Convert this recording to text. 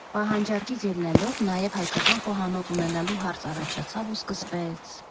Պահանջարկից ելնելով՝ նաև հայկական խոհանոց ունենալու հարց առաջացավ ու սկսվեեեե՜ց…